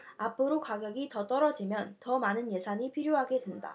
앞으로 가격이 더 떨어지면 더 많은 예산이 필요하게 된다